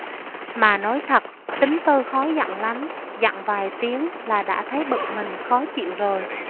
mà nói thật tính tôi khó giận lắm giận vài tiếng là đã thấy bực mình khó chịu rồi